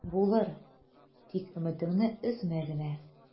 Булыр, тик өметеңне өзмә генә...